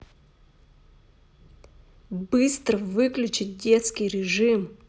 быстро выключить детский режим